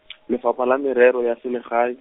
Lefapha la Merero ya Selegae.